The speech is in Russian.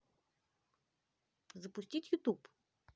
запустить ютуб